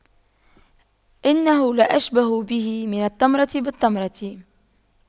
إنه لأشبه به من التمرة بالتمرة